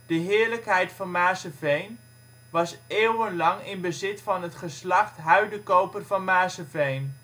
heerlijkheid van Maarsseveen was eeuwenlang in bezit van het geslacht Huydecoper van Maarsseveen